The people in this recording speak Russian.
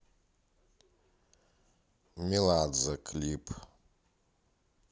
меладзе клип